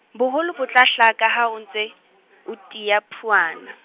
boholo bo tla hlaka ha o ntse, o tiya phuwana.